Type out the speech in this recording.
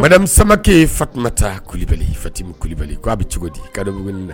madasabakɛ fa ta kulubaliti kulubali k ko a bɛ cogo di ka na